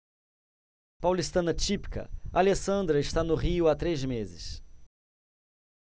paulistana típica alessandra está no rio há três meses